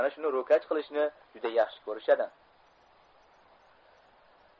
mana shuni ro'kach qilishni juda yaxshi ko'rishadi